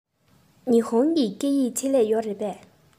ཉི ཧོང གི སྐད ཡིག ཆེད ལས ཡོད རེད པས